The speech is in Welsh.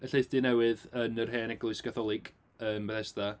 Y Llaethdy newydd yn yr hen Eglwys Gatholig yn Bethesda.